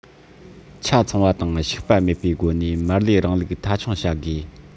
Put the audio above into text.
ཆ ཚང བ དང འཕྱུགས པ མེད པའི སྒོ ནས མར ལེའི རིང ལུགས མཐའ འཁྱོངས བྱ དགོས